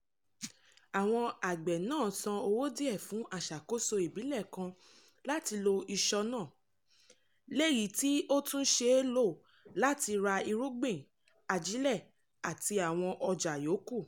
Àwọn àgbẹ̀ náà san owó díẹ̀ fún aṣàkóso ìbílẹ̀ kan láti ló ìṣọ̀ náà, lèyí tí ó tún ṣeé lò láti ra irúgbìn, ajílẹ̀ àti àwọn ọjà yòókù.